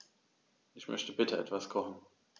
Ich möchte bitte etwas kochen.